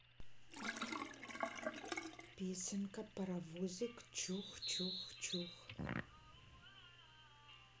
песенка паровозик чух чух чух